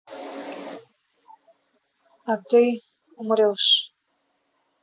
а ты умрешь